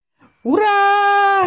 Ура!